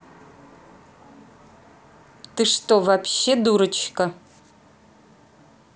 ты что вообще дурочка